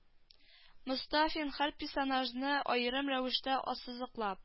Мостафин һәр персонажны аерым рәвештә ассызыклап